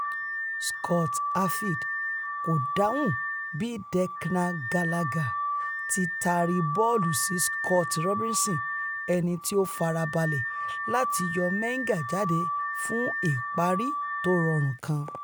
Scott Arfield kò dáhùn bí Declan Gallagher ti taari bọ́ọ̀lù sí Scott Robinson ẹnití ó farabalẹ̀ láti yọ Menga jáde fún ìparí tó rọrùn kan.